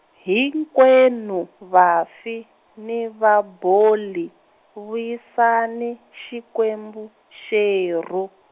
hinkwenu vafi ni vaboli vuyisani xikwembu xerhu.